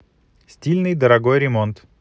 стильный дорогой ремонт